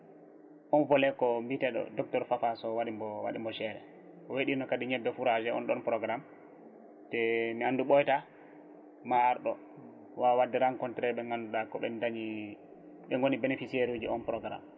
on volet ko mbiteɗo docteur Fafa Sow waɗimo waɗimo géré woɗino kadi ñebbe froisé on ɗon programme te mi andu ɓoyata ma ar ɗo wawa wadde rencontré ɓe ganduɗa ko ɓen daañi ɓen gooni bénéficiére uji on programme